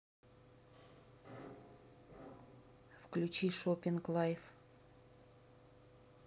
включи шоппинг лайф